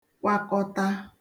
kwakọta